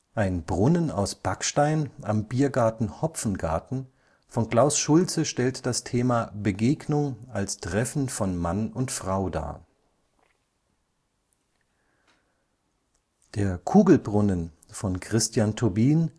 Ein Brunnen aus Backstein am Biergarten Hopfengarten von Klaus Schultze stellt das Thema Begegnung als Treffen von Mann und Frau dar. Der Kugelbrunnen von Christian Tobin